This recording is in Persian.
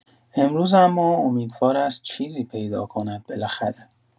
امروز اما امیدوار است چیزی پیدا کند بالاخره.